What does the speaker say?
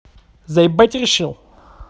заебать решил